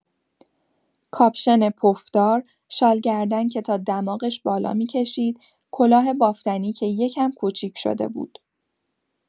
کاپشن پف‌دار، شال‌گردن که تا دماغش بالا می‌کشید، کلاه بافتنی که یه کم کوچیک شده بود.